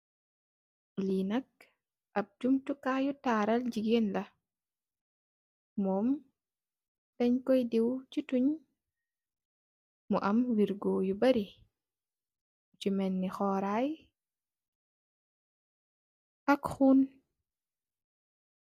Li nak ap jumm jukai taral gigeen la mom dang koi deew si tonj mu am wergoh yu barri yu melni khorai ak khun